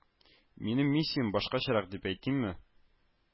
Минем миссиям башкачарак дип әйтимме